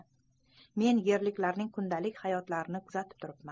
men yerliklarning kundalik hayotlarini kuzatib turibman